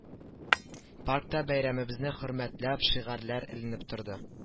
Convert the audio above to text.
Паркта бәйрәмебезне хөрмәтләп шигарләр эленеп торды